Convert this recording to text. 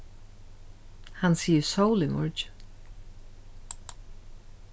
hann sigur sól í morgin